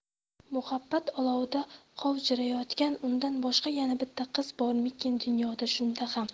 muhabbat olovida qovjirayotgan undan boshqa yana bitta qiz bormikin dunyoda shunda ham